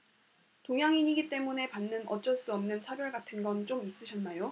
동양인이기 때문에 받는 어쩔 수 없는 차별 같은 건 좀 있으셨나요